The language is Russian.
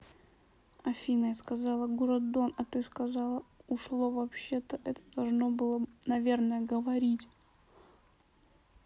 афина я сказала город дон а ты сказала ушло вообще то это должно было наверное говорить